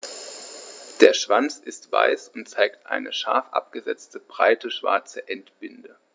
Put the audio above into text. Der Schwanz ist weiß und zeigt eine scharf abgesetzte, breite schwarze Endbinde.